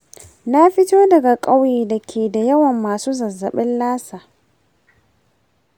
na fito daga ƙauye da ke da yawan masu zazzabin lassa.